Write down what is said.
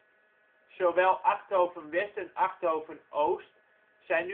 Zowel Achthoven-West en Achthoven-Oost zijn